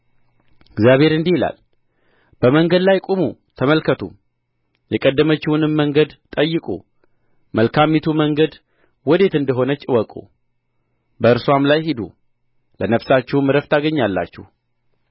እግዚአብሔር እንዲህ ይላል በመንገድ ላይ ቁሙ ተመልከቱም የቀደመችውንም መንገድ ጠይቁ መልካሚቱ መንገድ ወዴት እንደ ሆነች እወቁ በእርስዋም ላይ ሂዱ ለነፍሳችሁም ዕረፍት ታገኛላችሁ